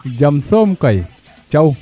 jam soom kay Thiaw